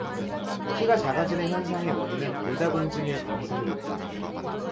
키가 작아지는 현상의 원인은 골다공증일 가능성이 높다